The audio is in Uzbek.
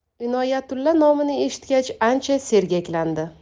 inoyatullo nomini eshitgach ancha sergaklandi